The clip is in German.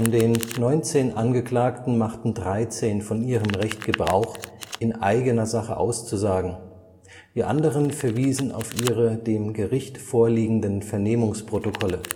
den 19 Angeklagten machten 13 von ihrem Recht Gebrauch, in eigener Sache auszusagen, die anderen verwiesen auf ihre dem Gericht vorliegenden Vernehmungsprotokolle